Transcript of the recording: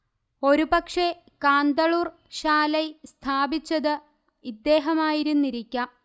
ഒരുപക്ഷേ കാന്തളൂർ ശാലൈ സ്ഥാപിച്ചത് ഇദ്ദേഹമായിരുന്നിരിക്കാം